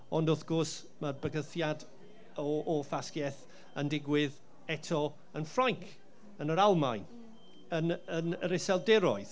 Ond, wrth gwrs, ma'r bygythiad o o ffasgiaeth yn digwydd eto yn Ffrainc, yn yr Almaen, yn yn yr Iseldiroedd.